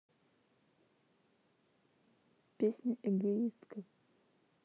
песня эгоистка